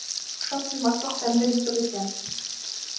Ашап туймаслык тәмле ризык икән.